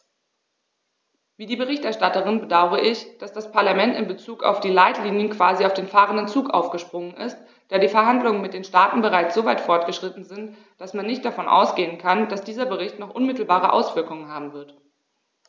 Wie die Berichterstatterin bedaure ich, dass das Parlament in bezug auf die Leitlinien quasi auf den fahrenden Zug aufgesprungen ist, da die Verhandlungen mit den Staaten bereits so weit fortgeschritten sind, dass man nicht davon ausgehen kann, dass dieser Bericht noch unmittelbare Auswirkungen haben wird.